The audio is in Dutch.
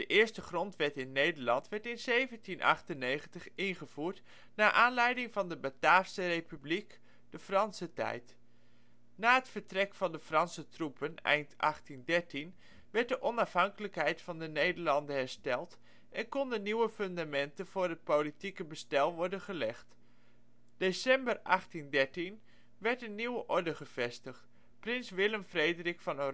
eerste Grondwet in Nederland werd in 1798 ingevoerd, naar aanleiding van de Bataafse Republiek (de Franse tijd). De Grondwet wordt aangenomen (1814) Na het vertrek van de Franse troepen eind 1813 werd de onafhankelijkheid van de Nederlanden hersteld en konden nieuwe fundamenten voor het politieke bestel worden gelegd. December 1813 werd een nieuwe orde gevestigd: prins Willem Frederik van